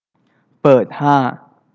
เปิดห้า